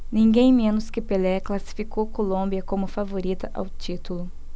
ninguém menos que pelé classificou a colômbia como favorita ao título